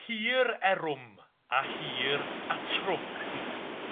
Hir Erwm a Hir Atrwm. Ia.